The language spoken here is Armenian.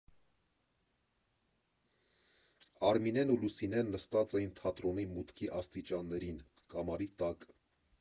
Արմինեն ու Լուսինեն նստած էին թատրոնի մուտքի աստիճաններին՝ կամարի տակ։